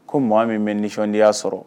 Ko mɔgɔ min bɛ nisɔnsɔnondi yya sɔrɔ